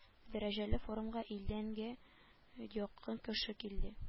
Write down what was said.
Дәрәҗәле форумга илдән гә якын кеше килде